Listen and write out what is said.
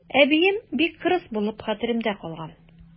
Әбием бик кырыс булып хәтеремдә калган.